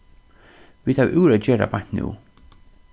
vit hava úr at gera beint nú